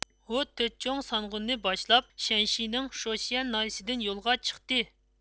ئۇ تۆت چوڭ سانغۇننى باشلاپ شەنشىنىڭ شوشيەن ناھىيىسىدىن يولغا چىقتى